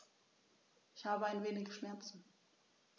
Ich habe ein wenig Schmerzen.